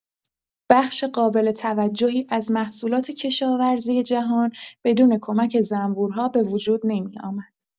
بخش قابل توجهی از محصولات کشاورزی جهان بدون کمک زنبورها به وجود نمی‌آمد.